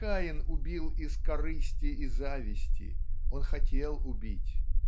Каин убил из корысти и зависти, он хотел убить